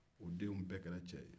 o denw bɛɛ kɛra cɛ ye